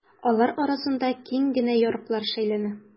Алар арасында киң генә ярыклар шәйләнә.